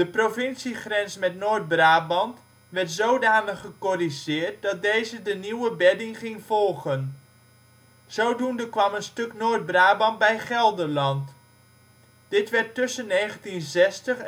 provinciegrens met Noord-Brabant werd zodanig gecorrigeerd dat deze de nieuwe bedding ging volgen. Zodoende kwam een stuk Noord-Brabant bij Gelderland. Dit werd tussen 1960 en 1980